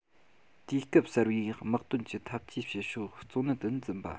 དུས སྐབས གསར པའི དམག དོན གྱི འཐབ ཇུས བྱེད ཕྱོགས གཙོ གནད དུ འཛིན པ